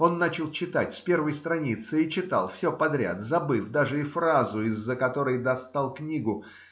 Он начал читать с первой страницы и читал все подряд, забыв даже и фразу, из-за которой достал книгу.